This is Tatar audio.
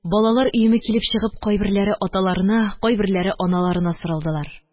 Балалар өеме килеп чыгып, кайберләре аталарына, кайберләре аналарына сарылдылар